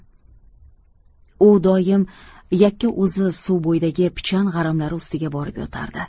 u doim yakka o'zi suv bo'yidagi pichan g'aramlari ustiga borib yotardi